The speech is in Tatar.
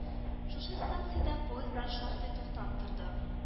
Шушы станциядә поездлары шактый туктап торды